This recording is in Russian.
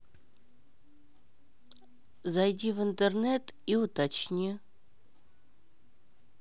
зайди в интернет и уточни